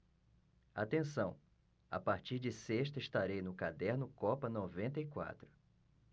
atenção a partir de sexta estarei no caderno copa noventa e quatro